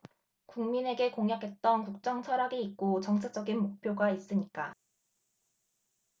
국민에게 공약했던 국정 철학이 있고 정책적인 목표가 있으니까